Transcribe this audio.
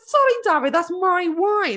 Sorry Dafydd that’s my wine.